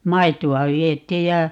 maitoa vietiin ja